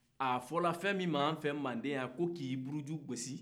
a bɛ fɔ fɛn mun ma an fɛ manden yan ko k'i buruju gosi